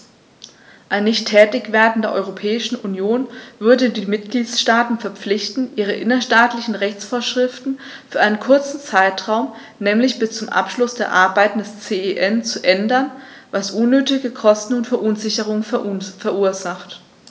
Ein Nichttätigwerden der Europäischen Union würde die Mitgliedstaaten verpflichten, ihre innerstaatlichen Rechtsvorschriften für einen kurzen Zeitraum, nämlich bis zum Abschluss der Arbeiten des CEN, zu ändern, was unnötige Kosten und Verunsicherungen verursacht.